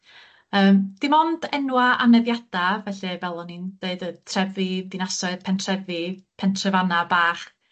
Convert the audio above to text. Yym dim ond enwa' aneddiada', felly fel o'n i'n deud y trefi, dinasoedd, pentrefi, pentrefanna' bach